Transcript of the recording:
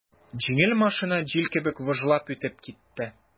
Җиңел машина җил кебек выжлап үтеп китте.